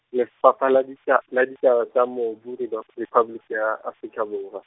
Lefapha la Dita-, la Ditaba tsa Mobu Reba-, Rephaboliki ya Afrika Borwa.